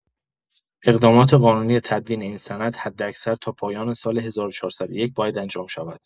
اقدامات قانونی تدوین این سند حداکثر تا پایان سال ۱۴۰۱ باید انجام شود.